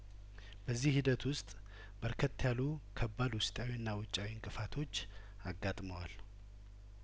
በዚህ ሂደት ውስጥ በርከት ያሉ ከባድ ውስጣዊና ውጫዊ እንቅፋቶች አጋጥመዋል